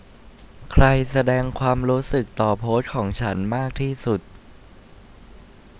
ใครแสดงความรู้สึกต่อโพสต์ของฉันมากที่สุด